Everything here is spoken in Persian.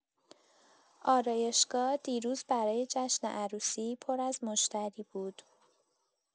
آرایشگاه دیروز برای جشن عروسی پر از مشتری بود.